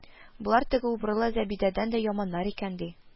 Болар теге убырлы Зәбидәдән дә яманнар икән, ди